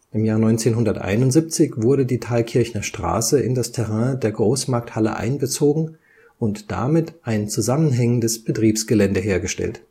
1971 wurde die Thalkirchner Straße in das Terrain der Großmarkthalle einbezogen und damit ein zusammenhängendes Betriebsgelände hergestellt